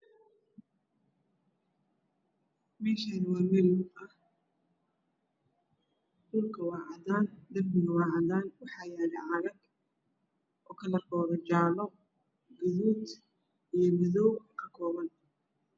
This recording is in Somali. Meeshaan waa meel hool ah dhulkana waa cadaan darbiguna Waa cadaan waxaa yaalo caagag oo kalaradoodu jaalo gaduud iyo madow ka kooban yahay.